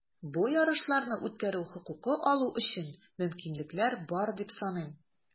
Бу ярышларны үткәрү хокукы алу өчен мөмкинлекләр бар, дип саныйм.